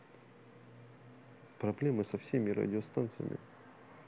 проблемы со всеми радиостанциями